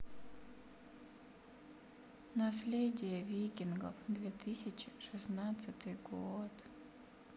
наследие викингов две тысячи шестнадцатый год